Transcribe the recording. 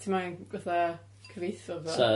Ti'm angen fatha cyfieitho fatha.